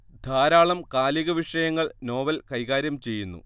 ധാരാളം കാലിക വിഷയങ്ങൾ നോവൽ കൈകാര്യം ചെയ്യുന്നു